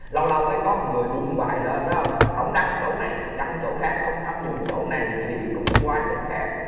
lâu lâu cái có người bung bài lên hông hổng đăng chỗ này thì đăng chỗ khác không tham nhũng chỗ này thì cũng qua chỗ khác